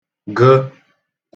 gə̣